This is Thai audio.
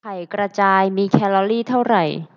ไข่กระจายมีแคลอรี่เท่าไหร่